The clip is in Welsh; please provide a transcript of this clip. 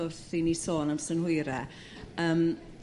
wrth i ni sôn am synhwyre yrm